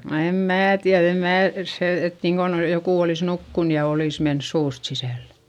no en minä tiedä en minä se että niin kuin joku olisi nukkunut ja olisi mennyt suusta sisälle